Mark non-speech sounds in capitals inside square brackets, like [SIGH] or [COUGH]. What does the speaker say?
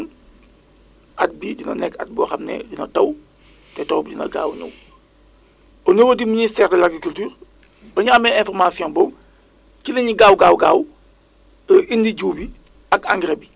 mais nag aussi képp kenn ku si nekk boo ko jotee ki nga xamante ni bi yaakaar nga ni moom moo la gën jege nga jox ko ko [BREATH] au fur et à mesure ñun li ñu jàpp moom mooy que ni bu ñu amee tey benn alerte mu départ ci ANACIM au minimum war na mën a interesser mille personnes